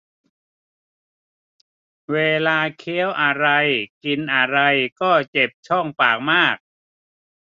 เวลาเคี้ยวอะไรกินอะไรก็เจ็บช่องปากมาก